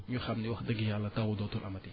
ñu xam ne wax dëgg Yàlla taw dootul amati